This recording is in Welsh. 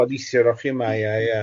O neithiwr o' chi yma ia ia.